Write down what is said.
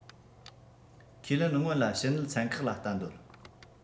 ཁས ལེན སྔོན ལ ཕྱི ནད ཚན ཁག ལ བལྟ འདོད